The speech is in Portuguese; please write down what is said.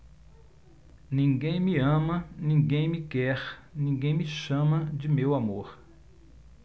ninguém me ama ninguém me quer ninguém me chama de meu amor